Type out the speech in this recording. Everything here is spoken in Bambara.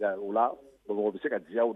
Ola bamakɔ bɛ se ka diya aw la